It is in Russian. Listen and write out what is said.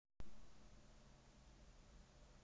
вообще ну ты ничего не хочешь меня понять